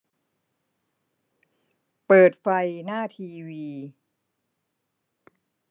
เปิดไฟหน้าทีวี